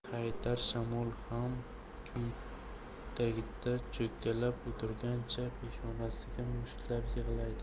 haydar shamol ham tut tagida cho'kkalab o'tirgancha peshonasiga mushtlab yig'laydi